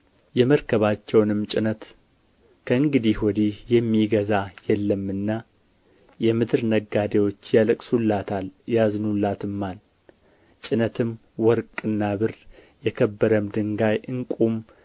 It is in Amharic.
የመርከባቸውንም ጭነት ከእንግዲህ ወዲህ የሚገዛ የለምና የምድር ነጋዴዎች ያለቅሱላታል ያዝኑላትማል ጭነትም ወርቅና ብር የከበረም ድንጋይ ዕንቁም